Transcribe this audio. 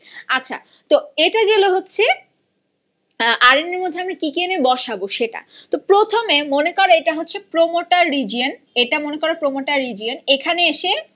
আচ্ছা তো এটা গেল হচ্ছে আর এন এর মধ্যে আমরা কি কি এনে বসাব সেটা তো প্রথমে মনে কর এটা হচ্ছে প্রমোটার রিজিওন এটা মনে কর প্রমোটার রিজিওন